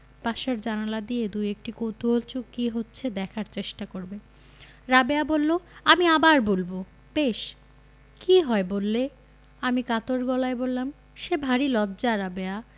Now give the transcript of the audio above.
পাশের বাসার জানালা দিয়ে দুএকটি কৌতুহল চোখ কি হচ্ছে দেখতে চেষ্টা করবে রাবেয়া বললো আমি আবার বলবো বেশ কি হয় বললে আমি কাতর গলায় বললাম সে ভারী লজ্জা রাবেয়া